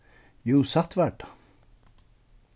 jú satt var tað